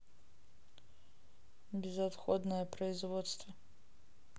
безотходное производство